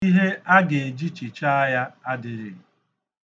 Ihe a ga-eji chichaa ya adịghị.